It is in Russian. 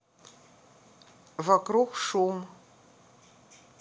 вокруг шум